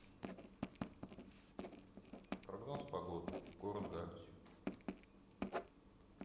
прогноз погоды город галич